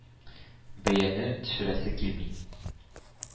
Бәяне төшерәсе килми.